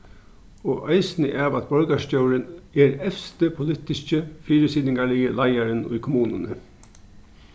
og eisini av at borgarstjórin er evsti politiski og fyrisitingarligi leiðarin í kommununi